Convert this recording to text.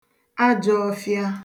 ajọ̄ọfịa